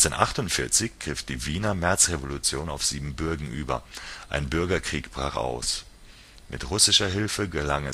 1848 griff die Wiener Märzrevolution auf Siebenbürgen über. Ein Bürgerkrieg brach aus. Mit russischer Hilfe gelang